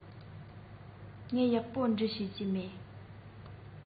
ངས ཡག པོ འབྲི ཤེས ཀྱི མེད